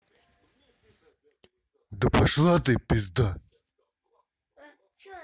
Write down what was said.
да пошла ты пизда